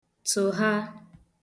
tụ̀gha